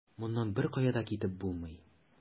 Моннан беркая да китеп булмый.